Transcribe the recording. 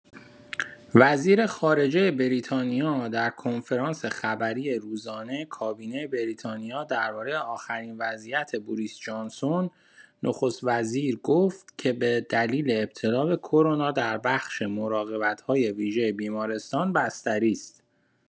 وزیر خارجه بریتانیا در کنفرانس خبری روزانه کابینه بریتانیا درباره آخرین وضعیت بوریس جانسون، نخست‌وزیر گفت که به دلیل ابتلا به کرونا در بخش مراقبت‌های ویژه بیمارستان بستری است.